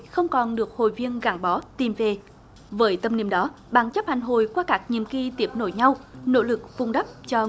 không còn được hội viên gắn bó tìm về với tâm niệm đó ban chấp hành hội qua các nhiệm kỳ tiếp nối nhau nỗ lực vun đắp cho